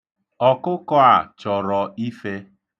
Ọkụkọ a chọrọ ife.